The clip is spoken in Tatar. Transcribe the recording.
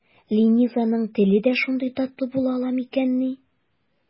Ленизаның теле дә шундый татлы була ала микәнни?